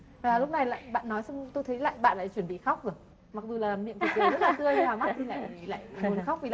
và lúc này lại bạn nói xong tôi thấy lại bạn lại chuẩn bị khóc rồi mặc dù là miệng thì cười rất là tươi nhưng mắt thì lại lại muốn khóc vì